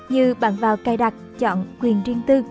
như bạn vào cài đặt chọn quyền riêng tư